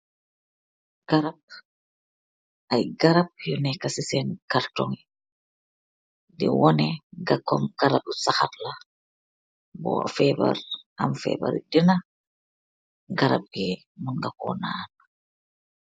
Garaap yuu nehka ce sen kartong di woneh garaap bu sahaat la, bo fehbaareh am febari dena garaap bi mun nga ko nann.